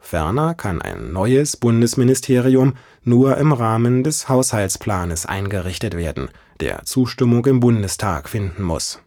Ferner kann ein (neues) Bundesministerium nur im Rahmen des Haushaltsplanes eingerichtet werden, der Zustimmung im Bundestag finden muss